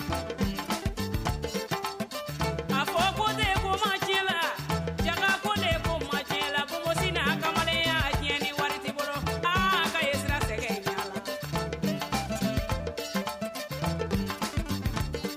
A ko kose ko ci la ja kose ci la kosi kamalen y'a diɲɛ ni wari' bolo ii sira segin